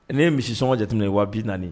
Ne ye misi sɔngɔ jateminɛ ye wa bi naani